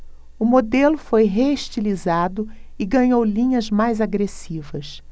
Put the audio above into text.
o modelo foi reestilizado e ganhou linhas mais agressivas